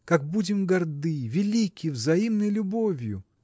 как будем горды, велики взаимной любовью!